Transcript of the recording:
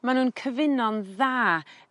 Ma' nw'n cyfuno'n dda